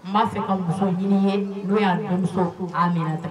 N' fɛ ka muso ɲini ye n minɛ